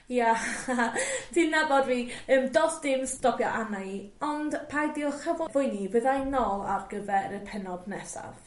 Ia ti'n nabod fi yym dos dim stopio arna i ond paidiwch a boeni fydda i nôl ar gyfer y pennod nesaf.